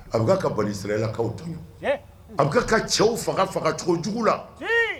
A bɛ kan ka banisiraila kaw tantɔn ye a bɛ kan ka cɛw faga faga cogo jugu la cɛn